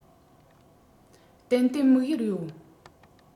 ཏན ཏན དམིགས ཡུལ ཡོད